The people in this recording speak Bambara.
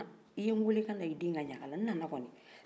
i ye n weele n kana i den ka ɲaga la n nana kɔni